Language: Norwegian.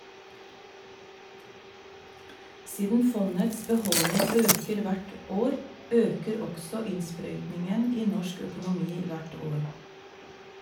Siden fondets beholdning øker hvert år, øker også innsprøytningen i norsk økonomi hvert år.